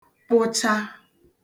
kpụcha